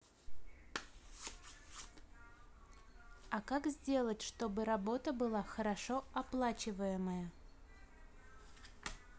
а как сделать чтобы работа была хорошо оплачиваемая